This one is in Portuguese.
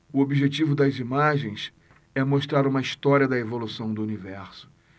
o objetivo das imagens é mostrar uma história da evolução do universo